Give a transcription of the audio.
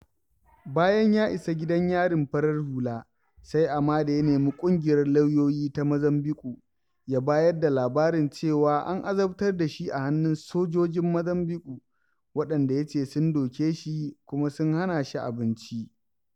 Bayan ya isa gidan yarin farar hula, sai Amade ya nemi ƙungiyar Lauyoyi ta Mozambiƙue ya bayar da labarin cewa an azabtar da shi a hannun sojojin Mozambiƙue, waɗanda ya ce sun doke shi kuma sun hana shi abinci.